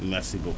merci beaucoup